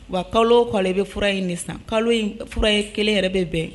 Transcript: Wa kalo o kalo i bɛ fura in san, kalo in fura ye kelen yɛrɛ bɛ bɛn